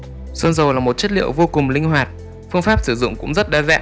sơn dầu là một chất liệu vô cùng linh hoạt phương pháp sử dụng cũng rất đa dạng